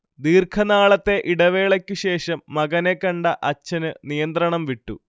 ദീർഘനാളത്തെ ഇടവേളയ്ക്കു ശേഷം മകനെ കണ്ട അച്ഛന് നിയന്ത്രണംവിട്ടു